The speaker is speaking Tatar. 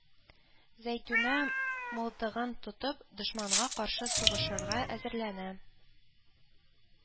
Зәйтүнә, мылтыгын тотып, дошманга каршы сугышырга әзерләнә